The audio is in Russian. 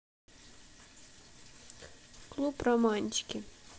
клуб романтики